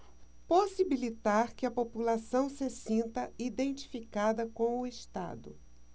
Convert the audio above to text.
possibilitar que a população se sinta identificada com o estado